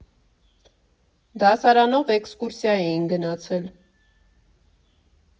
Դասարանով էքսկուրսիա էինք գնացել։